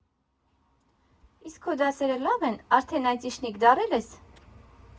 Իսկ քո դասերը լավ ե՞ն, արդեն այթիշնիկ դառել ե՞ս։